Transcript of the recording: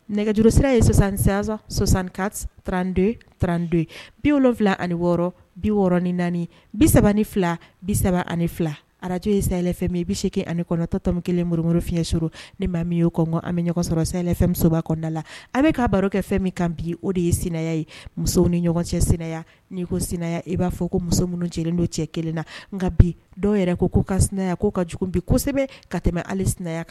Nɛgɛjuru sira ye sɔsansan sɔsanranran bi wolonwula ani wɔɔrɔ bi wɔɔrɔɔrɔn ni naani bisa ni fila bisa ani fila arajo ye sayafɛ i bi se ani kɔnɔtɔto kelen muru fi fiɲɛyɛnururu ni maa mi' o kɔngɔ an bɛ ɲɔgɔn sɔrɔ sayafɛmusoda la a bɛ kaa baro kɛ fɛn min kan bi o de ye sen ye muso ni ɲɔgɔn cɛya nii ko sinan i b'a fɔ ko muso minnu cɛlen don cɛ kelen na nka bi dɔw yɛrɛ ko ko ka sinanya k'o ka jugu bi kosɛbɛ ka tɛmɛ ali kan